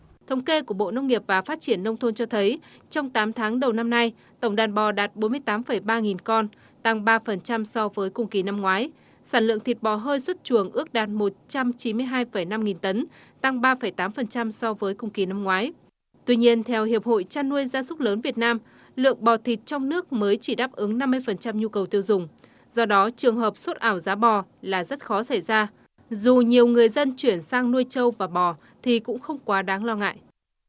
thống kê của bộ nông nghiệp và phát triển nông thôn cho thấy trong tám tháng đầu năm nay tổng đàn bò đạt bốn mươi tám phẩy ba nghìn con tăng ba phần trăm so với cùng kỳ năm ngoái sản lượng thịt bò hơi xuất chuồng ước đạt một trăm chín mươi hai phẩy năm nghìn tấn tăng ba phẩy tám phần trăm so với cùng kỳ năm ngoái tuy nhiên theo hiệp hội chăn nuôi gia súc lớn việt nam lượng bò thịt trong nước mới chỉ đáp ứng năm mươi phần trăm nhu cầu tiêu dùng do đó trường hợp sốt ảo giá bò là rất khó xảy ra dù nhiều người dân chuyển sang nuôi trâu và bò thì cũng không quá đáng lo ngại